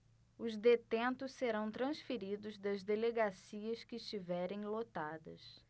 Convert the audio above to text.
os detentos serão transferidos das delegacias que estiverem lotadas